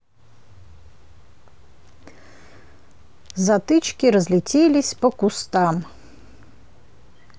затычки разлетелись по кустам